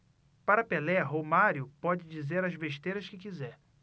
para pelé romário pode dizer as besteiras que quiser